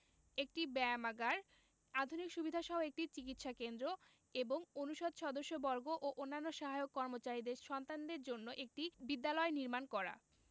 একটি ব্যায়ামাগার আধুনিক সুবিধাসহ একটি চিকিৎসা কেন্দ্র এবং অনুষদ সদস্যবর্গ ও অন্যান্য সহায়ক কর্মচারীদের সন্তানদের জন্য একটি বিদ্যালয় নির্মাণ করা